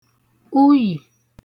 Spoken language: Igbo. uyì